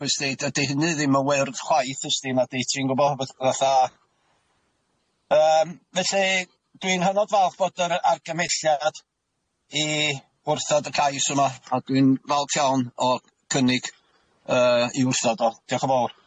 wuddes ti dydi hynny ddim yn wyrdd chwaith ysdi nadi ti'n gwbo? fatha yym felly dwi'n hynod falch bod yr argymelliad i wrthod y cais yma a dwi'n falch iawn o cynnig yy i wrthod o. Dioch yn fawr.